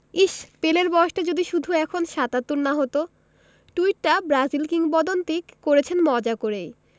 ইশ্ পেলের বয়সটা যদি শুধু এখন ৭৭ না হতো টুইটটা ব্রাজিল কিংবদন্তি করেছেন মজা করেই